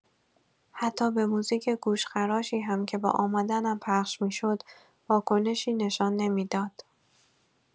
حتی به موزیک گوش‌خراشی هم که با آمدنم پخش می‌شد واکنشی نشان نمی‌داد.